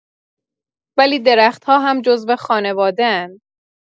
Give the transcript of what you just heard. ولی درخت‌ها هم جزو خانواده‌ان.